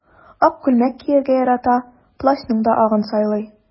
Ак күлмәк кияргә ярата, плащның да агын сайлый.